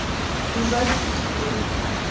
ужастики блин